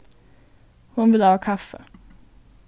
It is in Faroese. hon vil hava kaffi